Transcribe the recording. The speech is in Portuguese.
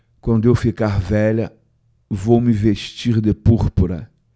quando eu ficar velha vou me vestir de púrpura